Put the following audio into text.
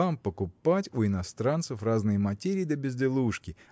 вам покупать у иностранцев разные материи да безделушки